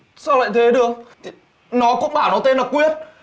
sao lại thế được nó cũng bảo nó tên là quyết